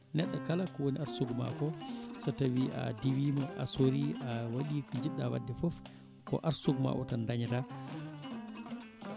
neɗɗo kala ko woni arsugue ma ko so tawi a diwima a sorima a waɗi ko poɗɗa wadde foof ko arsugue ma o tan dañata